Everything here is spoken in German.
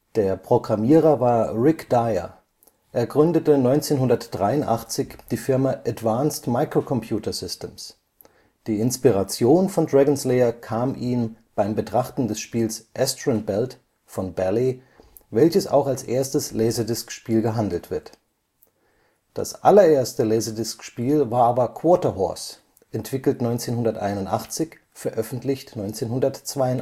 Der Programmierer war Rick Dyer. Er gründete 1983 die Firma Advanced Microcomputer Systems. Die Inspiration von Dragon’ s Lair kam ihm beim Betrachten des Spiels Astron Belt von Bally, welches auch als erstes Laserdisc-Spiel gehandelt wird (Prototyp 1982). Das allererste Laserdisc-Spiel war aber Quarter Horse (entwickelt 1981, veröffentlicht 1982